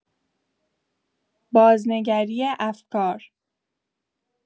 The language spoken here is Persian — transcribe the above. بازنگری افکار